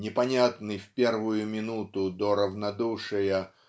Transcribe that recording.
непонятный в первую минуту до равнодушия